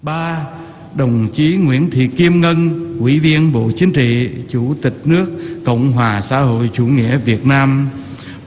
ba đồng chí nguyễn thị kim ngân ủy viên bộ chính trị chủ tịch nước cộng hòa xã hội chủ nghĩa việt nam